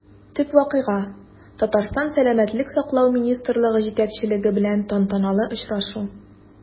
Төп вакыйга – Татарстан сәламәтлек саклау министрлыгы җитәкчелеге белән тантаналы очрашу.